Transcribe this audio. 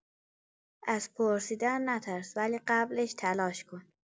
از پرسیدن نترس، ولی قبلش تلاش کن.